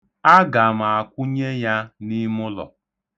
Aga m akwụnye ya n'ime ụlọ.